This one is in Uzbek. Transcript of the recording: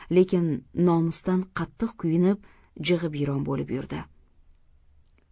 lekin nomusdan qattiq kuyinib jig'ibiyron bo'lib yurdi